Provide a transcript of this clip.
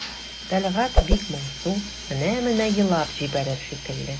Тәлгать бик моңсу, менә-менә елап җибәрер шикелле.